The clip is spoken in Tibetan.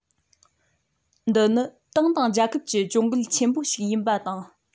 འདི ནི ཏང དང རྒྱལ ཁབ ཀྱི གྱོང གུད ཆེན པོ ཞིག ཡིན པ དང